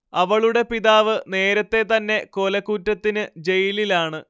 അവളുടെ പിതാവ് നേരത്തെ തന്നെ കൊലകുറ്റത്തിന് ജയിലാണ്